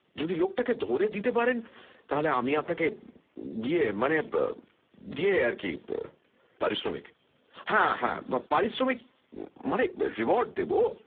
যদি লোকটাকে ধরে দিতে পারেন তা হলে আমি আপনাকে ইয়ে মানে ইয়ে আর কী পারিশ্রমিক হ্যাঁ হ্যাঁ পারিশ্রমিক মানে রিওয়ার্ড দেব